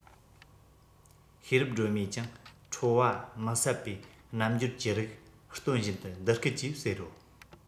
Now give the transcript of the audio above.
ཤེས རབ སྒྲོལ མས ཀྱང ཁྲོ བ མི ཟད པའི རྣམ འགྱུར ཅི རིགས སྟོན བཞིན དུ འདི སྐད ཅེས ཟེར རོ